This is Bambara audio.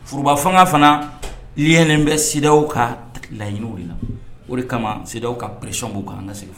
Forouruba fanga fanalilen bɛ sidaw ka laɲiniw de la o de kamaw ka peresi' kan an ka siri